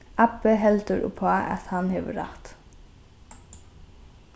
abbi heldur uppá at hann hevur rætt